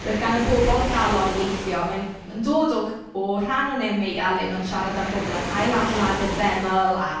Roedd gan y bobl galon i weithio. Mae'n- mae'n dod o c- o rhan o Nehemeia le ma'n siarad am bobl yn ail-adeiladu'r deml a